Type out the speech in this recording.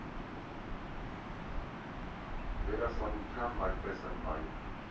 Դերասանությանն այդպես եմ նայում.